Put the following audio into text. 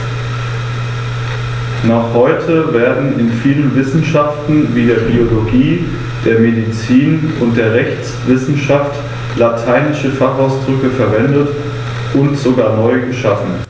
Noch heute werden in vielen Wissenschaften wie der Biologie, der Medizin und der Rechtswissenschaft lateinische Fachausdrücke verwendet und sogar neu geschaffen.